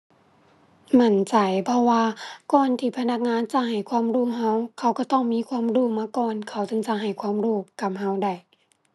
มั่นใจ เพราะว่าก่อนที่พนักงานจะให้ความรู้เรา เขาเราต้องมีความรู้มาก่อน เขาถึงจะให้ความรู้กับเราได้